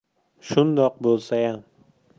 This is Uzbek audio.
shundoq bo'lsayam